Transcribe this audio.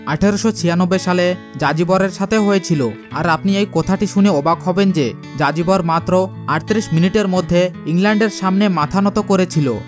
১৮৯৬ সালে যাযাবরের সাথে হয়েছিল আর আপনি এ কথাটি শুনে অবাক হবে যাযাবর মাত্র ৩৮ মিনিটের মধ্যে ইংল্যান্ডের সামনে মাথা নত করে ছিল